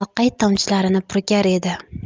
loqayd tomchilarini purkar edi